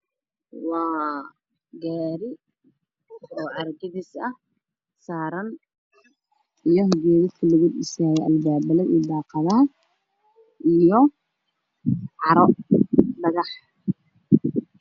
Waa gaadhi oo caragadis saaran iyogoyada labadiisa badalay iyobadala iyo Caro dhagax